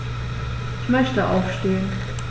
Ich möchte aufstehen.